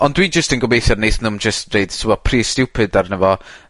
Ond dwi jyst yn gobeithio neith nw'm jyst roid t'mo' pris stupid arno fo